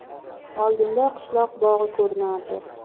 oldinda qishloq bog'i ko'rinardi